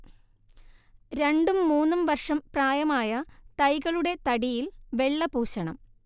രണ്ടും മൂന്നും വർഷം പ്രായമായ തൈകളുടെ തടിയിൽ വെള്ള പൂശണം